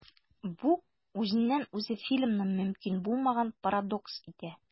Бу үзеннән-үзе фильмны мөмкин булмаган парадокс итә.